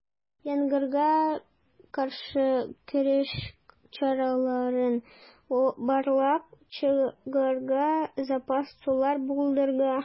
Янгынга каршы көрәш чараларын барлап чыгарга, запас сулар булдырырга.